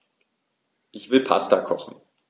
Ich will Pasta kochen.